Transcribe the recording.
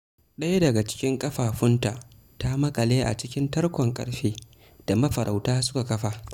ɗaya daga cikin ƙafafunta ta maƙale a cikin tarkon ƙarfe da mafarauta suka kafa.